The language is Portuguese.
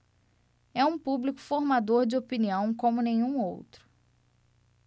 é um público formador de opinião como nenhum outro